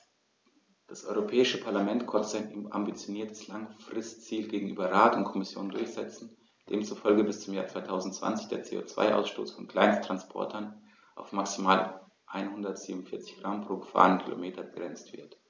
Das Europäische Parlament konnte sein ambitioniertes Langfristziel gegenüber Rat und Kommission durchsetzen, demzufolge bis zum Jahr 2020 der CO2-Ausstoß von Kleinsttransportern auf maximal 147 Gramm pro gefahrenem Kilometer begrenzt wird.